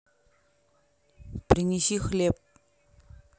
принеси хлеб